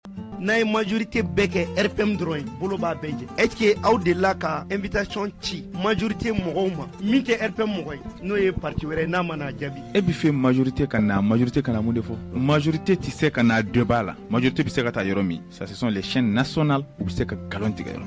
N'a ye majorite bɛɛ kɛ p dɔrɔn bolo bɛɛ jɛ eye aw de la ka e bɛ taacɔn ci majrite mɔgɔw ma min tɛ p mɔgɔ ye n'o ye pati wɛrɛɛrɛ ye n'a mana jaabi e bɛfe majrite ka na majurute ka kana mun de fɔ mazjrite tɛ se ka na dɔ b'a la maj te bɛ se ka taa yɔrɔ min sasic nas bɛ se ka nkalon tigɛyɔrɔ